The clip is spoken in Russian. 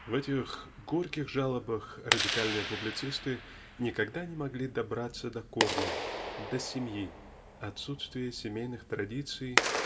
В этих горьких жалобах радикальные публицисты никогда не могли добраться до корня до семьи отсутствия семейных традиций